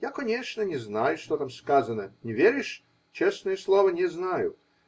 Я, конечно, не знаю, что там сказано. Не веришь? Честное слово, не знаю.